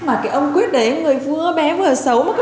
mà cái ông quyết đấy người vừa bé vừa xấu